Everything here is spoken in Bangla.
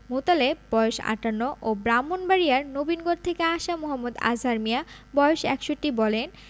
মোতালেব বয়স ৫৮ ও ব্রাহ্মণবাড়িয়ার নবীনগর থেকে আসা মো. আজহার মিয়া বয়স ৬১ বলেন